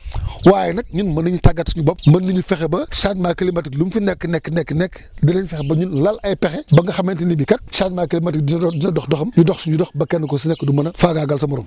waaye nag ñun mën nañu tàggat suñu bopp mën nañu fexe ba changement climatique lu mu fi nekk nekk nekk dinañ fexe ba ñu lan ay pexe ba nga xamante ni bi kat changement climatique dina doon dina dox doxam ñu dox suñu dox ba kenn ku si nekk du mën a faagaagal sa morom